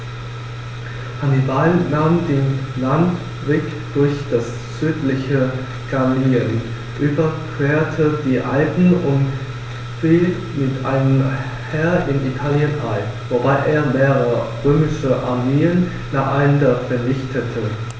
Hannibal nahm den Landweg durch das südliche Gallien, überquerte die Alpen und fiel mit einem Heer in Italien ein, wobei er mehrere römische Armeen nacheinander vernichtete.